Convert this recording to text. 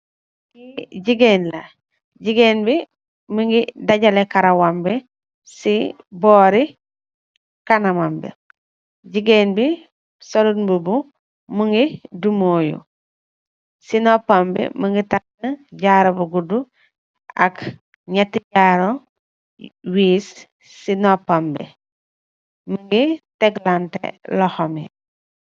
Kii jigeen la, jigeen bi mingi dajale kawarem bi si bori kanamam bi, jigeen bi solut mbuba, mingi ngi dumoyu, si nopambi mingi tegke jaro bu guda ak nyati jaro wees si nopam bi, mingi teglante loxo yi